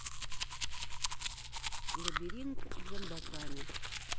лабиринт с зомбоками